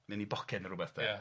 mewn 'i boced neu rwbath, 'de? Ia.